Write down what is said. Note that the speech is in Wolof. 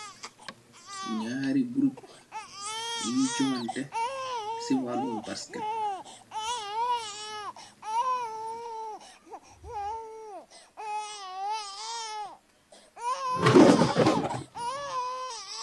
Naari group yui joganteh si walum basket.